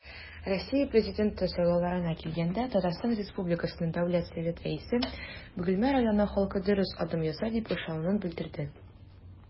Россия Президенты сайлауларына килгәндә, ТР Дәүләт Советы Рәисе Бөгелмә районы халкы дөрес адым ясар дип ышануын белдерде.